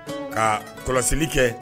Kaa kɔlɔsili kɛ